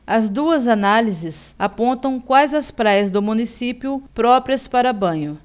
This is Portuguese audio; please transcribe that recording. as duas análises apontam quais as praias do município próprias para banho